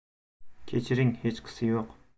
kechiring hechqisi yo'q